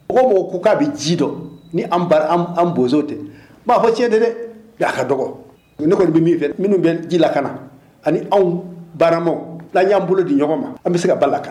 Ko' ko k'a bɛ ji dɔn ni an bozo tɛ' fɔ cɛn de dɛ'a ka dɔgɔ ne kɔni bɛ fɛ minnu bɛ ji la ka na ani anw barama la y'an bolo di ɲɔgɔn ma an bɛ se ka bala kan